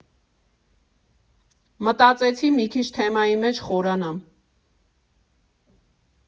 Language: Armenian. Մտածեցի՝ մի քիչ թեմայի մեջ խորանամ։